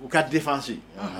U ka difase ye